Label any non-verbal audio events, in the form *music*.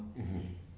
*hesitation* *hesitation*